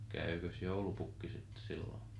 kävikös joulupukki sitten silloin